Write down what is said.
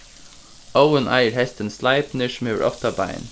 óðin eigur hestin sleipnir sum hevur átta bein